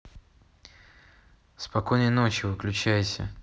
спокойной ночи выключайся